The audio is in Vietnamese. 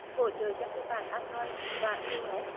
hỗ trợ cho phiên bản an roi và i ô ét